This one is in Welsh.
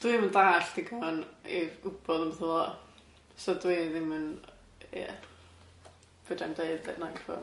Dwi'm yn dallt digon i wbod petha fela so dwi ddim yn ia, fedrai'm deud y naill ffor ne'r llall.